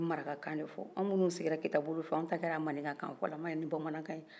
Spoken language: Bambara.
u bɛ maraka kan de fɔ anw minun siginra kita bolo fɛ anw ta kɛra manikan kan fɔ nin bamankan ye